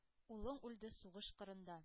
Улың үлде сугыш кырында.